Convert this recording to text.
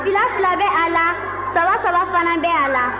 fila fila bɛ a la saba saba fana bɛ a la